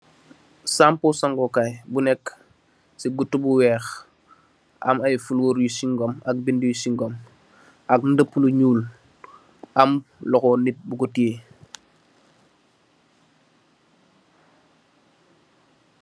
Shampoo sangu kai bu nekah guttu bu wekh am flour yu singum ak binduh yu singum am ndopuh lu nyul am lukhu nit tuko teyeh.